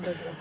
dëgg la